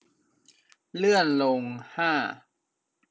เลื่อนลงห้า